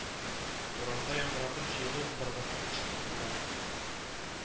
Урамда, яңгыратып, җыелу быргысын кычкырттылар